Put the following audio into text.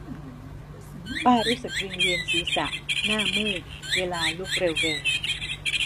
ป้ารู้สึกวิงเวียนศีรษะหน้ามืดเวลาลุกเร็วเร็ว